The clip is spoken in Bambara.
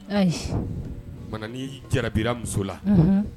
Ayi ma jarabira muso la